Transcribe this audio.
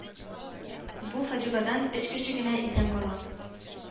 Бу фаҗигадан өч кеше генә исән кала